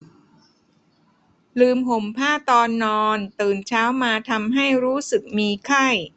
ลืมห่มผ้าตอนนอนตื่นเช้ามาทำให้รู้สึกมาไข้